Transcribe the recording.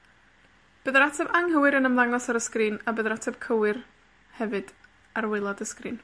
bydd yr ateb anghywir yn ymddangos ar y sgrin, a bydd yr ateb cywir, hefyd, ar waelod y sgrin.